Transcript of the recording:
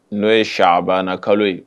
N'o ye sabana kalo ye